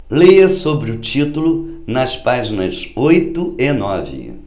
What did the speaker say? leia sobre o título nas páginas oito e nove